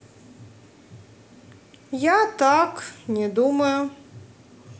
я так не думаю